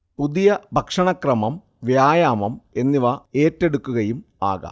പുതിയ ഭക്ഷണ ക്രമം, വ്യായാമം എന്നിവ ഏറ്റെടുക്കുകയും ആകാമം